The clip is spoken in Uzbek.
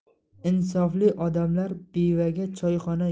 insofli odamlar bevaga choyxona